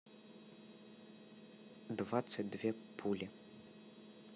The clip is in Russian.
двадцать две пули